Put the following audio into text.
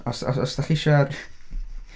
Os... os... os dach chi isho